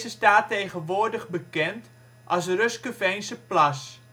staat tegenwoordig bekend als Ruskeveenseplas